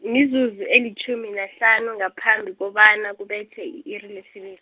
mizuzu elitjhumi nahlanu ngaphambi kobana kubethe i-iri lesibil-.